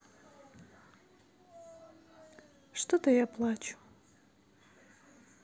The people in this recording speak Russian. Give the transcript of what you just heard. что то я не плачу